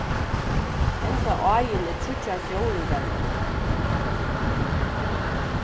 henda áin er tríggjar fjórðingar long